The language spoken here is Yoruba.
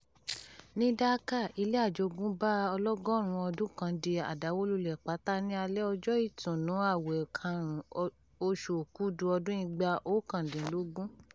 Ní Dhaka, ilé àjogúnbá ọlọ́gọ́rùn-ún ọdún kan di àdàwólulẹ̀ pátá ní alẹ́ ọjọ́ Ìtunu Àwẹ̀ 5, oṣù Òkúdù 2019.